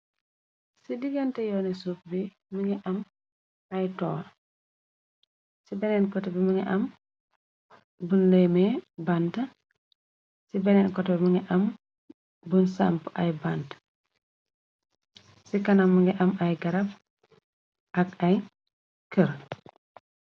Si digante yoone suuf ci mugi am ai torl si beneen kote bi mugi am bun lémee banta si beneen koteh mi nga am bun samp ay banta ci kanam mu ngi am ay garab ak ay kërr.